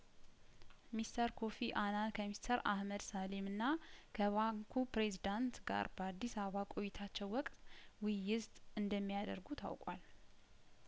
ሚስተር ኮፊ አናን ከሚስተር አህመድ ሳሊምና ከባንኩ ፕሬዝዳንት ጋር በአዲስ አበባ ቆይታቸው ወቅት ውይይስት እንደሚያደርጉ ታውቋል